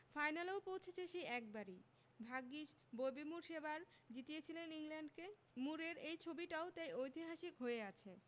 ফাইনালেও পৌঁছেছে সেই একবারই ভাগ্যিস ববি মুর সেবার জিতিয়েছিলেন ইংল্যান্ডকে মুরের এই ছবিটাও তাই ঐতিহাসিক হয়ে আছে